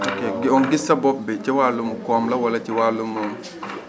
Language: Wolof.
ok kon gis sa bopp bi ci wàllum koom la wala ci wàllum